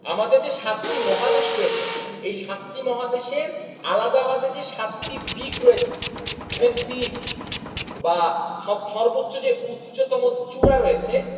আমাদের যে 7 টি মহাদেশ রয়েছে এই সাতটি মহাদেশের আলাদা আলাদা যে সাতটি পিক রয়েছে সাতটি পিকস বা সর্বোচ্চ যে উচ্চতম চূড়া রয়েছে